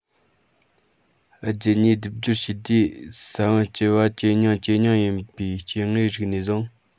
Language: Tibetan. རྒྱུད གཉིས སྡེབ སྦྱོར བྱས དུས ས བོན སྐྱེས པ ཇེ ཉུང ཇེ ཉུང ཡིན པའི སྐྱེ དངོས རིགས ནས བཟུང